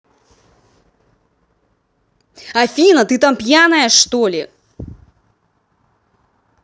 афина ты там пьяная что ли